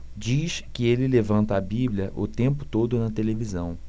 diz que ele levanta a bíblia o tempo todo na televisão